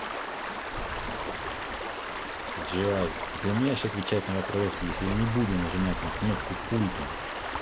джой а ты умеешь отвечать на вопросы если я не буду нажимать на кнопку пульта